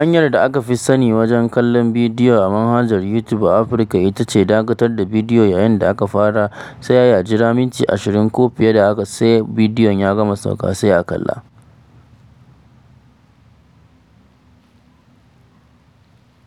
Hanyar da aka fi sani wajen kallo bidiyon a manhajar YouTube a Afirka ita ce dakatar da bidiyon yayin da ya fara, sai a jira mintuna 20 (ko fiye da haka) har sai bidiyon ya gama sauƙa, sannan a kalla.